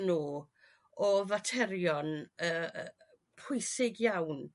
nhw o faterion yrr yrr pwysig iawn